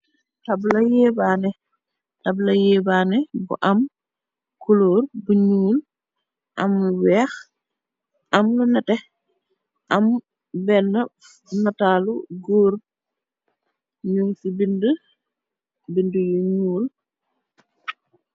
Tabla yéebaane. tabla yéebaane bu am culóor bu ñuul, am lu weeh am lu nete am benn nataalu góor ñu ci bindi, bindi yu ñuul.